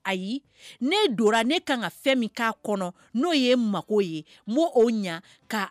Ayi. Ne don na, ne kan ka fin mun ka kɔnɔ no ye n mago ye . N bo ɲa ka